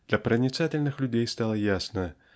для проницательных людей стало ясно